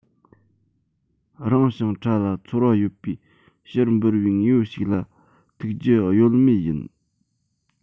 རིང ཞིང ཕྲ ལ ཚོར བ ཡོད པའི ཕྱིར འབུར བའི དངོས པོ ཞིག ལ ཐུག རྒྱུ གཡོལ མེད ཡིན